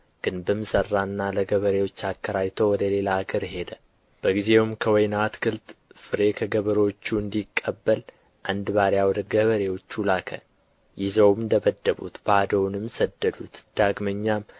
ግንብም ሠራና ለገበሬዎች አከራይቶ ወደ ሌላ አገር ሄደ በጊዜውም ከወይን አትክልት ፍሬ ከገበሬዎቹ እንዲቀበል አንድ ባሪያ ወደ ገበሬዎቹ ላከ ይዘውም ደበደቡት ባዶውንም ሰደዱት ዳግመኛም